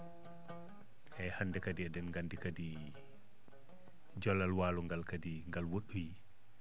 eeyi hannde kadi eɗen nganndi kadi joolal waalo ngal kadi ngal woɗɗoyi